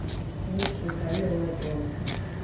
лучшие бои роя джонса